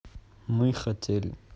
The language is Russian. мы хотели